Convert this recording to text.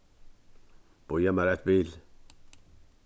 bíða mær eitt bil